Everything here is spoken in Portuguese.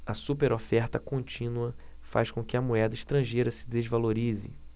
a superoferta contínua faz com que a moeda estrangeira se desvalorize